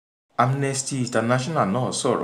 Amnesty International náà sọ̀rọ̀: